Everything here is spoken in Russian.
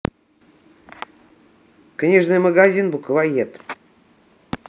книжный магазин буквоед